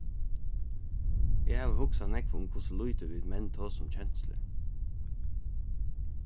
eg havi hugsað nógv um hvussu lítið vit menn tosa um kenslur